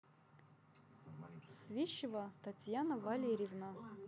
свищева татьяна валерьевна